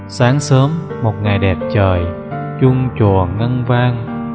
sáng sớm một ngày đẹp trời chuông chùa ngân vang